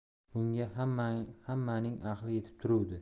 bunga hammaning aqli yetib turuvdi